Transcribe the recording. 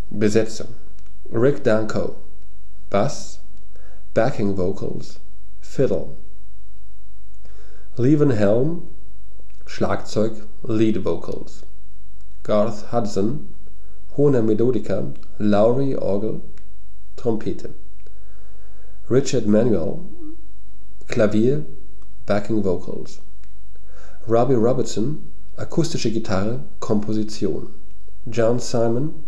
Besetzung Datei:Levon Helm 1976. jpg Schlagzeuger und Sänger Levon Helm Rick Danko: Bass, Backing Vocals, Fiddle Levon Helm: Schlagzeug, Lead Vocals Garth Hudson: Hohner Melodica, Lowrey Orgel, Trompete Richard Manuel: Klavier, Backing Vocals Robbie Robertson: Akustische Gitarre, Komposition John Simon: Produktion